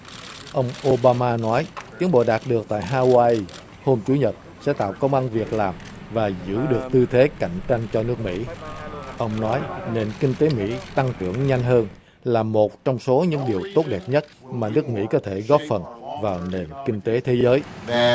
ông ô ba ma nói tiến bộ đạt được tại ha goai hôm chủ nhật sẽ tạo công ăn việc làm và giữ được tư thế cạnh tranh cho nước mỹ ông nói nền kinh tế mỹ tăng trưởng nhanh hơn là một trong số những điều tốt đẹp nhất mà nước mỹ có thể góp phần vào nền kinh tế thế giới